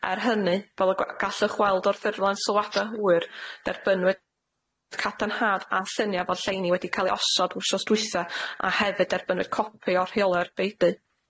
Er hynny fel y gw- gallwch weld o'r ffurflen sylwada hwyr derbynwyd cadarnhad a llunia' fod lleini wedi ca'l 'u osod wsnos dwytha a hefyd derbynwyd copi o rheolau'r beudy.